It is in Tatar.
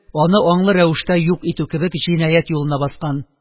Аны аңлы рәвештә юк итү кебек җинаять юлына баскан...»